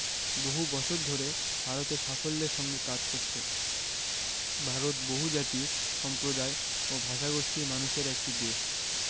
বহু বছর ধরে ভারতে সাফল্যের সঙ্গে কাজ করছে ভারত বহুজাতি সম্প্রদায় ও ভাষাগোষ্ঠীর মানুষের একটি দেশ